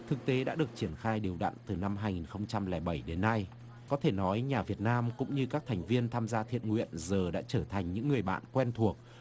thực tế đã được triển khai đều đặn từ năm hai nghìn không trăm lẻ bảy đến nay có thể nói nhà việt nam cũng như các thành viên tham gia thiện nguyện giờ đã trở thành những người bạn quen thuộc